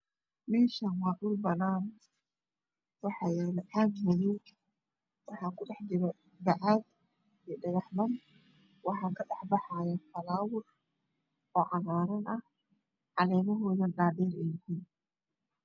Meeshan waa dhulbanaa waxaa yaalo caag madow oo ku dhex jiro bacaad iyo dhagxaan waxaa kadhex baxaayo falawar oo cagaaran ah calee mahoodane ay dhaa dheer yhiin